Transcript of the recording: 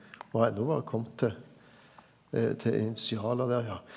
me har ennå berre komme til til initialene der ja.